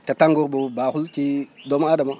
te tàgoor boobu baaaxul ci doomu aadama